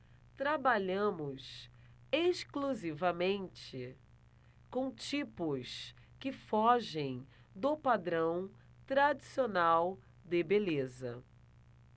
trabalhamos exclusivamente com tipos que fogem do padrão tradicional de beleza